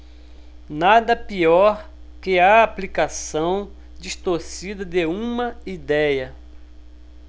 nada pior que a aplicação distorcida de uma idéia